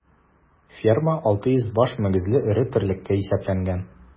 Ферма 600 баш мөгезле эре терлеккә исәпләнгән.